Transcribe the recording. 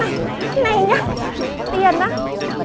này này nhớ tiền á